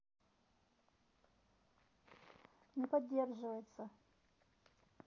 не поддерживается